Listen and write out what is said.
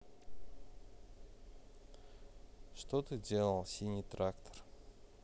что ты делал синий трактор